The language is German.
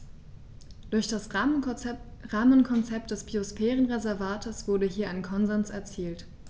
Durch das Rahmenkonzept des Biosphärenreservates wurde hier ein Konsens erzielt.